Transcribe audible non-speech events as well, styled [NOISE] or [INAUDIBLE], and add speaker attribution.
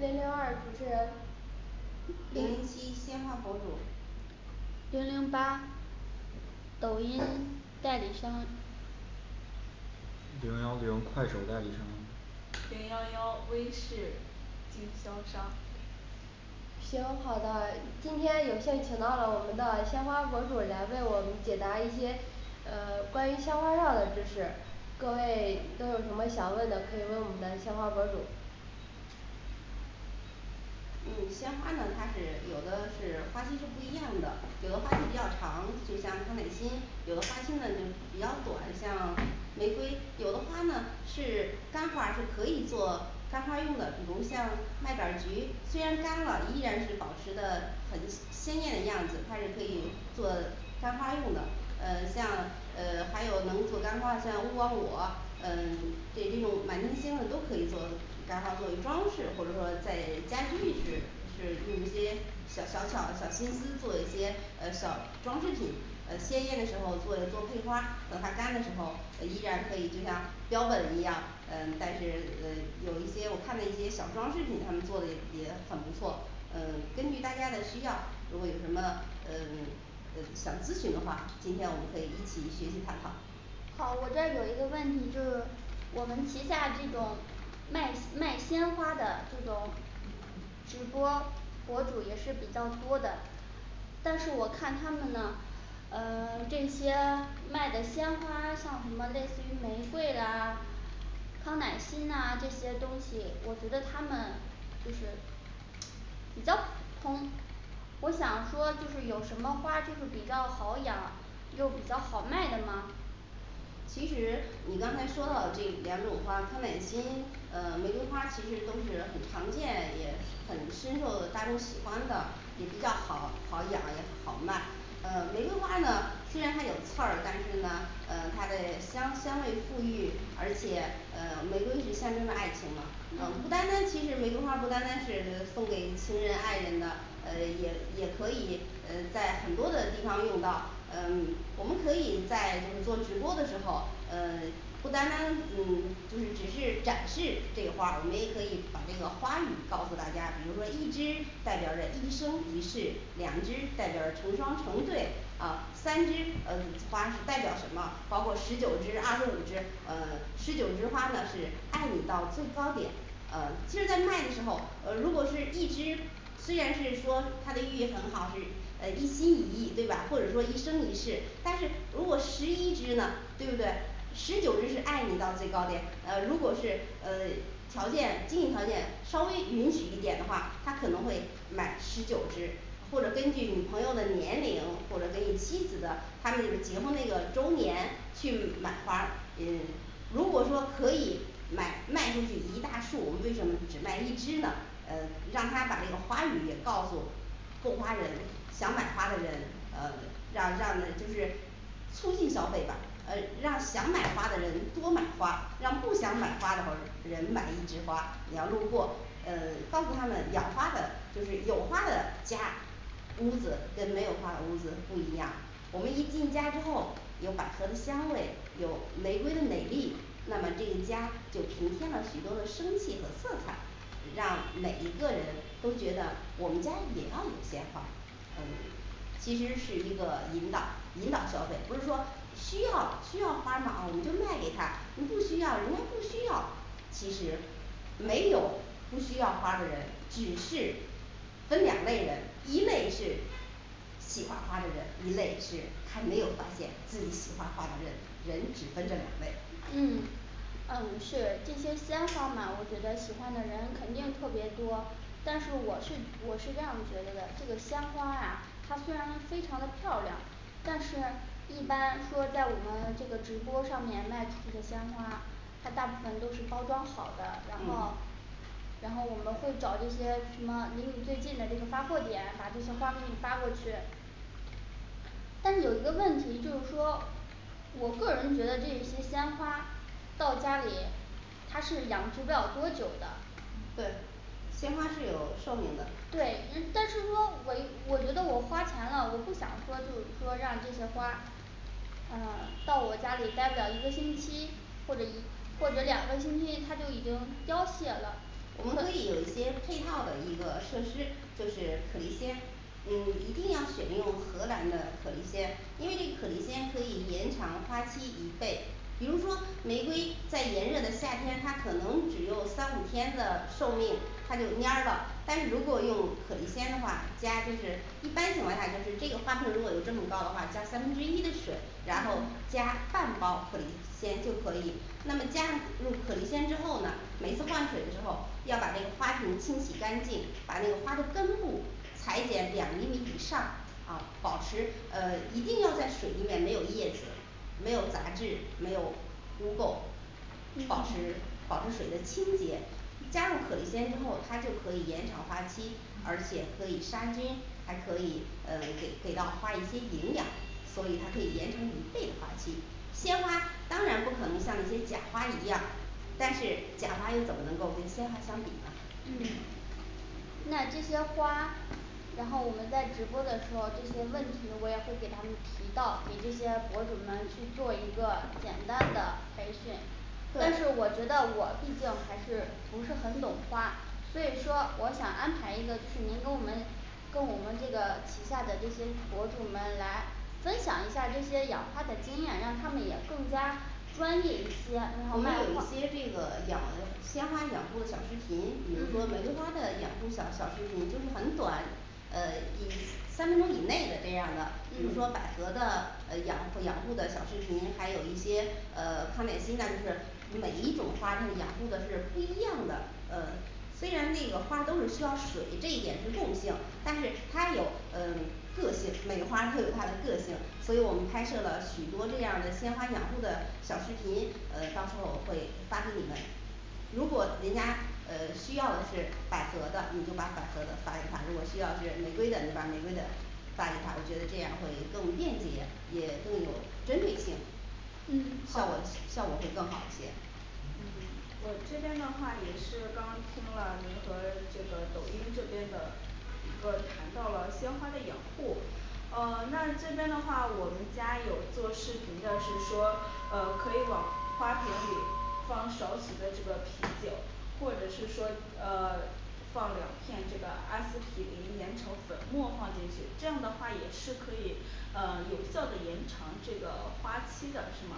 Speaker 1: 零零二主持人
Speaker 2: 零
Speaker 3: 零
Speaker 2: 零七鲜花博主
Speaker 3: 零零八抖音代理商
Speaker 4: 零幺零快手代理商
Speaker 5: 零幺幺微视经销商
Speaker 1: 行好的，今天有幸请到了我们的鲜花博主来为我们解答一些呃鲜花上的知识各位都有什么想问的，可以问我们的鲜花博主
Speaker 2: 嗯鲜花呢它是有的是花期是不一样的，有的花期比较长，就像康乃馨有的花期呢就比较短，像玫瑰有的花呢是干花儿是可以做，干花儿用的比如像麦秆儿菊虽然干了依然是保持得很鲜艳的样子，它是可以做干花用的呃像呃还有能做干花像勿忘我呃，对这种满天星的都可以做，干花作为装饰或者说在家居浴室就是用一些小小小小心思做一些呃小装饰品，呃鲜艳的时候做做配花，等它干的时候，呃依然可以就像标本一样，呃但是呃有些我看的一些小装饰品他们做的也也很不错嗯根据大家的需要，如果有什么嗯嗯想咨询的话，今天我们可以一起学习探讨
Speaker 3: 好，我这儿有一个问题，就是我们旗下这种卖卖鲜花的这种呃直播博主也是比较多的。但是我看他们呢呃 [SILENCE] 这些卖的鲜花，像什么类似于玫瑰啦康乃馨呐这些东西，我觉得它们就是比较普通。我想说就是有什么花就是比较好养又比较好卖的吗
Speaker 2: 其实你刚才说到这两种花、康乃馨，呃玫瑰花其实都是很常见，也很深受大众喜欢的，也比较好好养也好卖呃玫瑰花呢虽然它有刺儿，但是呢嗯它的香香味馥郁，而且呃玫瑰是，象征着爱情嘛，呃
Speaker 3: 嗯
Speaker 2: 不单单其实玫瑰花不单单是送给情人爱人的，呃也也可以呃在很多的地方用到，嗯我们可以在就是做直播的时候嗯 [SILENCE] 不单单嗯就是只是展示这个花，我们也可以把这个花语告诉大家，比如说一枝代表着一生一世，两枝代表成双成对啊三枝呃花是代表什么？包括十九枝二十五枝，呃十九枝花呢是爱你到最高点，呃其实在卖的时候，呃如果是一枝虽然是说它的寓意很好，是呃一心一意对吧？或者说一生一世，但是如果十一枝呢对不对十九枝是爱你到最高点，呃如果是呃条件经济条件稍微允许一点的话，他可能会买十九枝或者根据女朋友的年龄或者给你妻子的她们结婚那个周年去买花嗯如果说可以买卖出去一大束，我们为什么只卖一枝呢，啊让他把这个花语也告诉购花人想买花的人呃让让这就是促进消费吧，呃让想买花的人多买花，让不想买花的人买一枝花，你要路过呃帮助他们养花的就是有花的家屋子跟没有花的屋子不一样，我们一进家之后有百合的香味有玫瑰的美丽，那么这个家就平添了许多的生气和色彩让每一个人都觉得我们家也要有鲜花嗯其实是一个引导引导消费，不是说需要需要花儿吗我们就卖给他，我不需要人家不需要。其实没有不需要花的人只是分两类人，一类是喜欢花的人，一类是他没有发现自己喜欢花的人，人只分这两类
Speaker 3: 嗯。嗯是这些鲜花嘛，我觉得喜欢的人肯定特别多，但是我是我是这样觉得的，这个鲜花呀它虽然非常的漂亮但是一般说在我们这个直播上面卖出去的鲜花它大部分都是包装好的，然后
Speaker 2: 嗯
Speaker 3: 然后我们会找这些什么离你最近的这个发货点，把这些花给你发过去但是有一个问题就是说，我个人觉得这些鲜花到家里它是养殖不了多久的
Speaker 2: 对。鲜花是有寿命的
Speaker 3: 对，但是说我我觉得我花钱了，我不想说就是说让这些花儿啊到我家里待不了一个星期或者或者两个星期，它就已经凋谢了
Speaker 2: 我们可以有一些配套的一个设施，就是可利鲜嗯一定要选用荷兰的可利鲜，因为可利鲜可以延长花期一倍比如说玫瑰在炎热的夏天，它可能只有三五天的寿命它就焉儿了，但是如果用可利鲜的话家就是一般情况下就是这个花盆如果有这么高的话，加三分之一的水然后
Speaker 3: 嗯
Speaker 2: 加半包可利鲜就可以那么加上之后可利鲜之后呢，每次换水的时候要把这花瓶清洗干净，把这个花的根部裁剪两厘米以上啊，保持呃一定要在水里面没有叶子没有杂质，没有污垢，保持
Speaker 3: 嗯
Speaker 2: 保持水的清洁加入可利鲜之后，它就可以延长花期，而且可以杀菌，还可以呃给给到花一些营养所以它可以延长一倍的花期，鲜花当然不可能像那些假花一样，但是假花又怎么能够跟鲜花相比呢
Speaker 3: 嗯
Speaker 1: 嗯
Speaker 3: 那这些花然后我们在直播的时候，这些问题我也会给他们提到，给这些博主们去做一个简单的培训但是我
Speaker 5: 对
Speaker 3: 觉得我毕竟还是不是很懂花，所以说我想安排一个就是您跟我们跟我们这个旗下的这些博主们来分享一下这些养花的经验让他们也更加专业一些
Speaker 2: 我
Speaker 3: 然后卖花
Speaker 2: 一些这个养鲜花养护小视频，比如说梅
Speaker 3: 嗯
Speaker 2: 花的养护小小视频就是很短呃以三分钟以内的这样的比如说百
Speaker 3: 嗯
Speaker 2: 合的呃养养护的小视频，还有一些呃康乃馨呐就是每一种花它养护的是不一样的呃虽然这个花都是需要水，这一点是共性，但是它有嗯个性，每花都有它的个性，所以我们拍摄了许多这样的鲜花养护的小视频，呃到时候我会发给你们如果人家呃需要的是百合的，你就把百合的翻一翻，如果需要是玫瑰的，你把玫瑰的翻一下，我觉得这样会更便捷，也更有针对性
Speaker 3: 嗯，
Speaker 2: 效果效果会更好一些
Speaker 5: 嗯 [SILENCE] 我这边的话也是刚听了您和这个抖音这边的一个谈到了鲜花的养护呃那这边的话我们家有做视频的是说呃可以往花瓶里放少许的这个啤酒或者是说呃 [SILENCE] 放两片这个阿司匹林，研成粉末放进去，这样的话也是可以呃有效的延长这个花期的是吗？